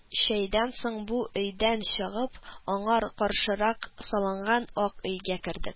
Чәйдән соң бу өйдән чыгып, аңар каршырак салынган ак өйгә кер